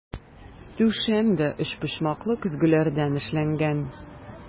Түшәм дә өчпочмаклы көзгеләрдән эшләнгән.